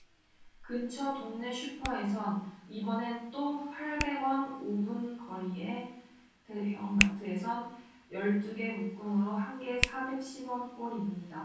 근처 동네 슈퍼에선 이번엔 또 팔백 원 오 분 거리의 대형마트에선 열 두 개 묶음으로 한 개 사백 십 원꼴입니다